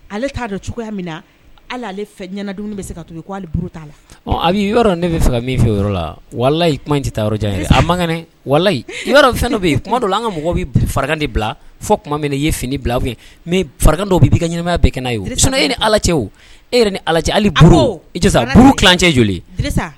Ale'a dɔn cogoya min na ala ale ɲɛnadenw bɛ se ka k'ale t' la a yɔrɔ fɛ ka min fɛ yɔrɔ la walayi kuma taa yɔrɔjan a yɔrɔ fɛn dɔ bɛ yen dɔw an ka mɔgɔ fara de bila fo tuma min i ye fini bila mɛ fara dɔw bɛi ka ɲɛnamaya bɛ ka' ye e ni ala o e yɛrɛ ni ala halicɛ joli